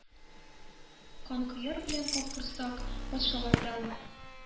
Канкояр белән Капкорсак патшалардан